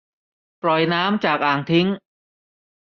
ปล่อยน้ำจากอ่างทิ้ง